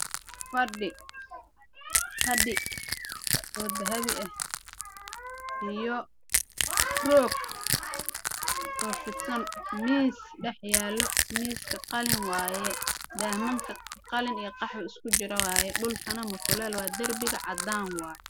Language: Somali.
Waa fadhi midabkiisu yahay cadaan